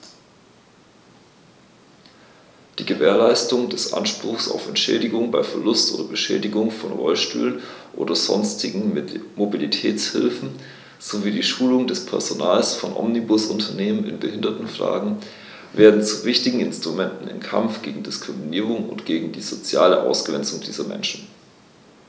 Die Gewährleistung des Anspruchs auf Entschädigung bei Verlust oder Beschädigung von Rollstühlen oder sonstigen Mobilitätshilfen sowie die Schulung des Personals von Omnibusunternehmen in Behindertenfragen werden zu wichtigen Instrumenten im Kampf gegen Diskriminierung und gegen die soziale Ausgrenzung dieser Menschen.